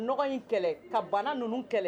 N ɲɔgɔn in kɛlɛ ka bana ninnu kɛlɛ